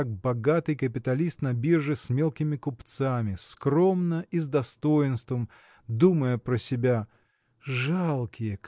как богатый капиталист на бирже с мелкими купцами скромно и с достоинством думая про себя Жалкие!